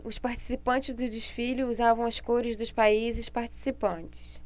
os participantes do desfile usavam as cores dos países participantes